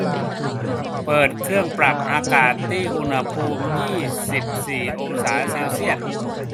เปิดเครื่องปรับอากาศที่อุณหภูมิยี่สิบสี่องศาเซลเซียส